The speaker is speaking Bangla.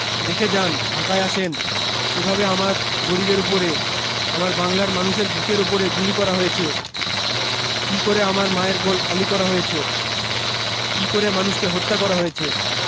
দেখে যান ঢাকায় আসেন কীভাবে আমার গরিবের উপরে আমার বাংলার মানুষের বুকের উপরে গুলি করা হয়েছে কী করে আমার মায়ের কোল খালি করা হয়েছে কী করে মানুষকে হত্যা করা হয়েছে